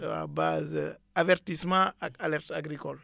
waaw base avertissement ak alerte agricole